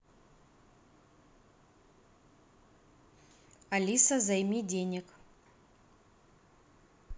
алиса займи денег